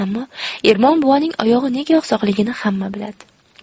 ammo ermon buvaning oyog'i nega oqsoqligini hamma biladi